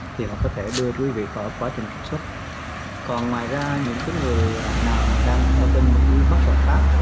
thì họ có thể đưa quý vị vào quá trình trục xuất còn ngoài ra những cái người nào mà đang ở bên mỹ bất hợp pháp